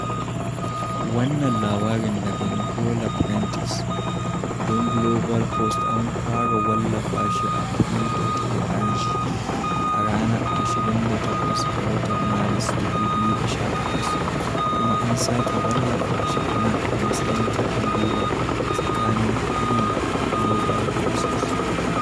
Wannan labarin daga Nicola Prentis don GlobalPost an fara wallafa shi a PRI.org a ranar 28 ga watan Maris, 2018, kuma an sake wallafa shi a nan a matsayin haɗin gwiwa tsakanin PRI da Global Voices.